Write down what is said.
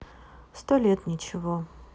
столет ничего